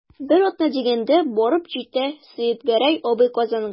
Бер атна дигәндә барып җитә Сәетгәрәй абый Казанга.